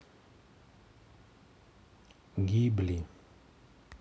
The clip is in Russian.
гибли